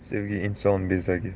sevgi inson bezagi